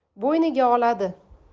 bo'yniga oladi